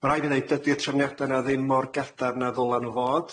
Ma' raid fi ddeud dydi'r trefniada yna ddim mor gadarn a ddyla nhw fod.